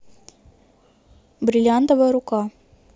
бриллиантовая рука